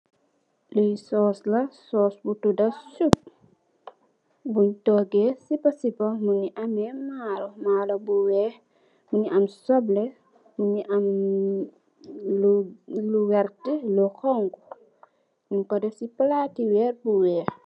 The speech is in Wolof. Li sauce la sauce bu todah sopp bun togeh sipper sipper mogi ami malaw malaw bu weex mingi am subleh mingi am lo wert lo xongo nu ko deff ci palati weer bu weex.